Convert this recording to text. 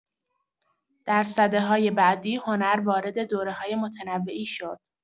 در سده‌های بعدی، هنر وارد دوره‌های متنوعی شد.